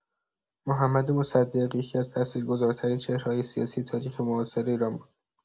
محمد مصدق یکی‌از تأثیرگذارترین چهره‌های سیاسی تاریخ معاصر ایران بود.